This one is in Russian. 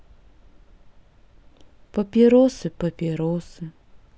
папиросы папиросы